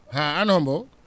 haa aan hombo